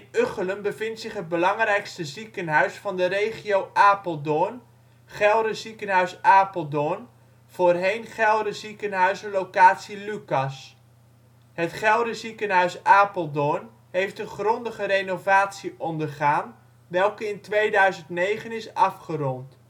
Ugchelen bevindt zich het belangrijkste ziekenhuis van de regio en van Apeldoorn, Gelre ziekenhuis Apeldoorn, voorheen Gelre ziekenhuizen, locatie Lukas. Het Gelre ziekenhuis Apeldoorn heeft een grondige renovatie ondergaan, welke in 2009 is afgerond